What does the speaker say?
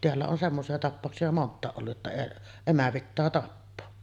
täällä on semmoisia tapauksia monta ollut että emä pitää tappaa